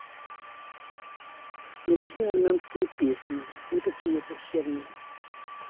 мне нужно армянские песни ни какие то херни